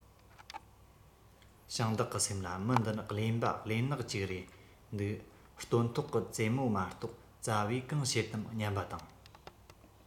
ཞིང བདག གི སེམས ལ མི འདི ནི གླེན པ གླེན ནག ཅིག རེད འདུག སྟོན ཐོག གི ཙེ མོ མ གཏོགས ཙ བས གང བྱེད དམ སྙམ པ དང